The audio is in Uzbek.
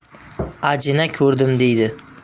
og'zidan olov sochib bechoraga daf qilganmish